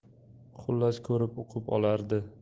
xullas ko'rib uqib olardi